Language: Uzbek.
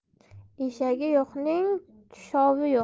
eshagi yo'qning tushovi yo'q